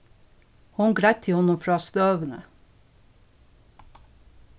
hon greiddi honum frá støðuni